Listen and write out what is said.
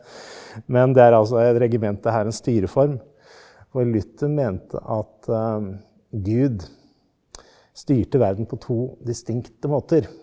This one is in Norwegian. men det er altså et regiment det er en styreform hvor Luther mente at gud styrte verden på to distinkte måter.